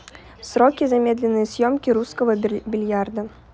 сроки замедленные съемки русского бильярда